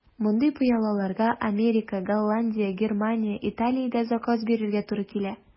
Мондый пыялаларга Америка, Голландия, Германия, Италиядә заказ бирергә туры килә.